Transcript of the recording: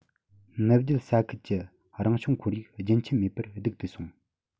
ནུབ རྒྱུད ས ཁུལ གྱི རང བྱུང ཁོར ཡུག རྒྱུན ཆད མེད པར སྡུག ཏུ སོང